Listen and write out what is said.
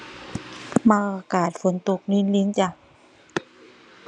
มักอากาศฝนตกรินรินจ้ะ